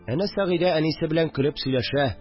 Әнә Сәгыйдә әнисе белән көлеп сөйләшә